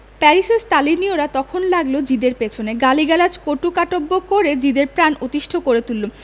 প্যারিসের স্তালিনীয়রা তখন লাগল জিদের পেছনে গালিগালাজ কটুকাটব্য করে জিদের প্রাণ অতিষ্ঠ করে তুলল